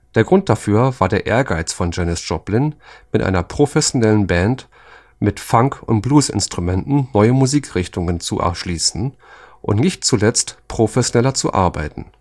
Der Grund dafür war der Ehrgeiz von Janis Joplin, mit einer professionellen Band mit Funk - und Blues-Instrumenten neue Musikrichtungen zu erschließen und nicht zuletzt professioneller zu arbeiten